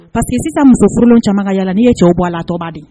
Pa que sisan ka musokolo caman ka yala n'i ye cɛw bɔ a latɔba di